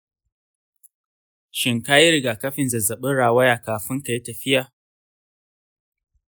shin ka yi rigakafin zazzabin rawaya kafin kayi tafiyar?